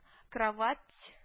Кровать